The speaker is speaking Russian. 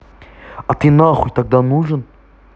а ты нахуй тогда нужен